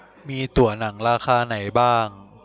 มีตั๋วหนังราคาไหนบ้าง